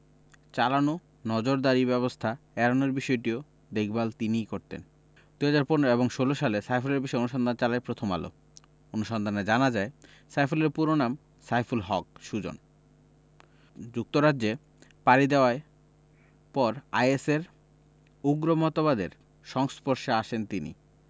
চালানো নজরদারি ব্যবস্থা এড়ানোর বিষয়টিও দেখভাল তিনিই করতেন ২০১৫ ও ২০১৬ সালে সাইফুলের বিষয়ে অনুসন্ধান চালায় প্রথম আলো অনুসন্ধানে জানা যায় সাইফুলের পুরো নাম সাইফুল হক সুজন যুক্তরাজ্যে পাড়ি দেওয়ায় পর আইএসের উগ্র মতবাদের সংস্পর্শে আসেন তিনি